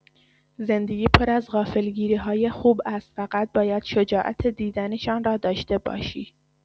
زندگی پر از غافلگیری‌های خوب است، فقط باید شجاعت دیدنشان را داشته باشی.